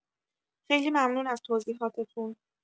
خیلی ممنون از توضیحاتتون